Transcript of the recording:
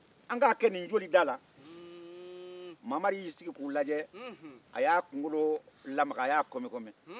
mamari y'i sigi k'u lajɛ a y'a kunkolo kɔmikɔmi